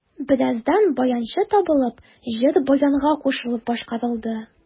Бераздан баянчы табылып, җыр баянга кушылып башкарылды.